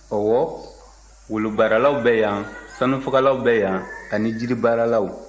ɔwɔ wolobaaralaw bɛ yan sanufagalaw bɛ yan ani jiribaaralaw